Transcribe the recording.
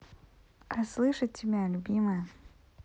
расслышать тебя любимая